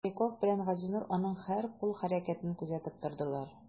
Стариков белән Газинур аның һәр кул хәрәкәтен күзәтеп тордылар.